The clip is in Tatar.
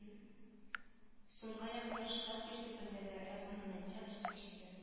Ы сумга якынлашырга тиеш дип белдерде роснанотех җитәкчесе